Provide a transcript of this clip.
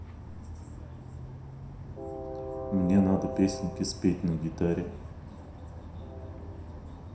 мне надо песенки спеть на гитаре